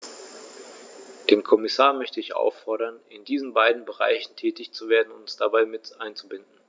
Den Kommissar möchte ich auffordern, in diesen beiden Bereichen tätig zu werden und uns dabei mit einzubinden.